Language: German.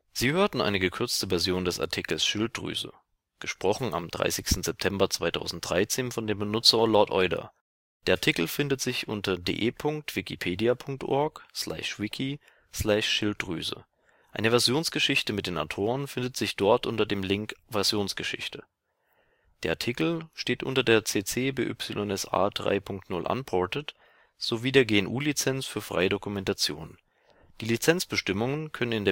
Sie hörten eine gekürzte Version des Artikels Schilddrüse gesprochen am 30. September 2013 von dem Benutzer LordOider. Der Artikel findet sich unter de.wikipedia.org/wiki/Schilddrüse, eine Versionsgeschichte mit den Autoren findet sich dort unter dem Link Versionsgeschichte. Der Artikel steht unter der CC-BY-SA 3.0 Unported sowie der GNU-Lizenz für freie Dokumentation, die Lizenzbestimmungen können